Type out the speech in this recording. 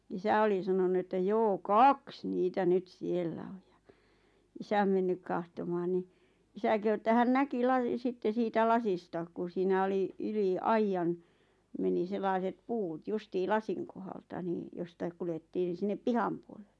isä oli sanonut että joo kaksi niitä nyt siellä on ja isä mennyt katsomaan niin isä kehui että hän näki - sitten siitä lasista kun siinä oli yli aidan meni sellaiset puut justiin lasin kohdalta niin jostakin kuljettiin no sinne pihan puolelle